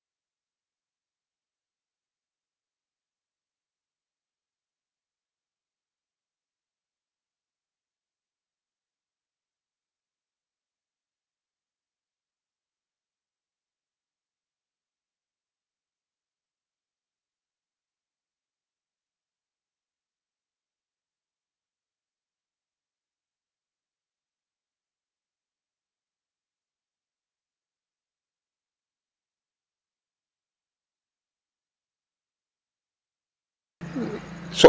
*